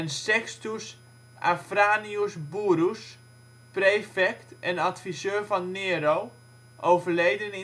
Sextus Afranius Burrus, prefect en adviseur van Nero (overleden